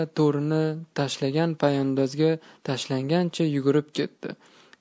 torini to'shalgan poyandozga tashlagancha yugurib ketdi